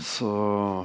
så.